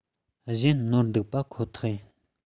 གཞན ནོར འདུག པ ཁོ ཐག ཡིན